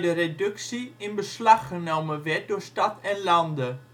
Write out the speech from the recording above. reductie in beslag genomen werd door Stad en Lande